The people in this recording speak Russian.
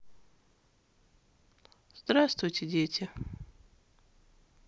здравствуйте дети